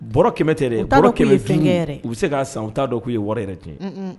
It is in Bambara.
Baro 100 tɛ dɛ, u ta don k'u ye fɛn kɛ yɛrɛ; baro 500 u bɛ se ka san u t'a dɔn k'u ye wari yɛrɛ cɛn. Un un.